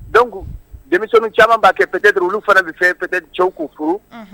Don denmisɛn caman b'a kɛpɛ olu fana bɛ fɛ cɛw kun furu